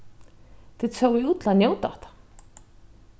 tit sóu út til at njóta hatta